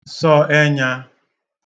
sọ ẹnyā